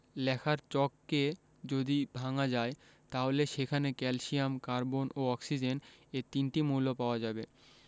লেখার চককে যদি ভাঙা যায় তাহলে সেখানে ক্যালসিয়াম কার্বন ও অক্সিজেন এ তিনটি মৌল পাওয়া যাবে